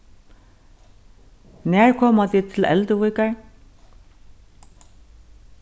nær koma tit til elduvíkar